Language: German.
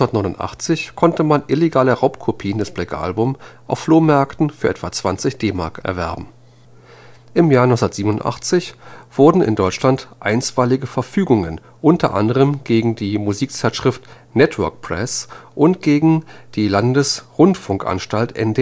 1989 konnte man illegale Raubkopien des Black Album auf Flohmärkten für etwa 20 D-Mark erwerben. Im Jahr 1987 wurden in Deutschland Einstweilige Verfügungen unter anderem gegen die Musikzeitschrift Network Press und gegen die Landesrundfunkanstalt NDR